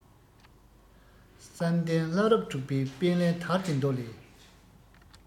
བསམ གཏན བླ རབས དྲུག པའི དཔེ ལེན དལ གྱི མདོ ལས